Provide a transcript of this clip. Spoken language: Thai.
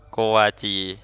โกวาจี